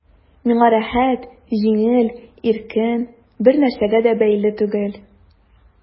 Миңа рәхәт, җиңел, иркен, бернәрсәгә дә бәйле түгел...